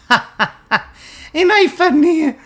Ain't I funny!